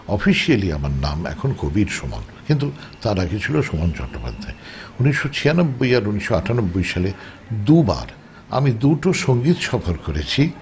officially আমার নাম এখন কবীর সুমন কিন্তু তার আগে ছিল সুমন চট্টোপাধ্যায় ১৯৯৬ আর ১৯৯৮ সালে দুবার আমি দুটো সংগীত সফর করেছি